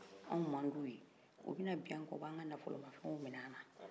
anw mand'u ye u bɛna bin anw kan u b'an ka nafolo mafɛw min'an na